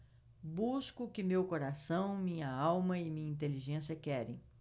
busco o que meu coração minha alma e minha inteligência querem